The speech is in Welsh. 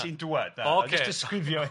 Sy'n dŵad jyst disgrifio 'i.